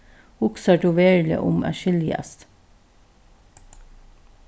hugsar tú veruliga um at skiljast